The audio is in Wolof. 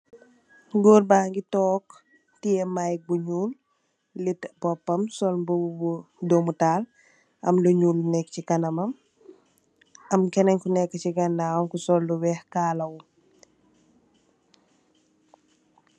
Gòor ba ngie yè mic bu ñuul, lett boppam sol mbubu bu doomutal, am lu ñuul lu nekk chi kanam, am kenen ki nekk chi ganaawam ku sol lu weeh kala wu.